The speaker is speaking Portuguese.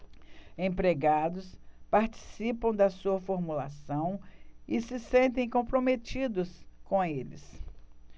empregados participam da sua formulação e se sentem comprometidos com eles